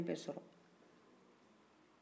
a ye fɛn bɛɛ sɔrɔ